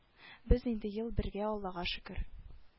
Без инде ел бергә аллага шөкер